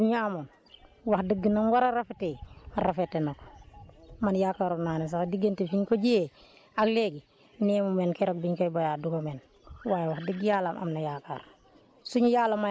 ñebe boobu ñu amoon wax dëgg na mu war a faretee rafetee na ko man yaakaaroon naa ne sax diggante fiñ ko jiyee ak léegi nii mu mel keroog biñ koy béyaat du ko mel waaye wax dëgg yàlla am nañ yaakaar